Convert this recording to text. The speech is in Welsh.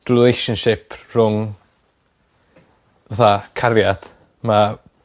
relationship rhwng fatha cariad ma'